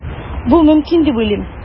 Бу мөмкин дип уйлыйм.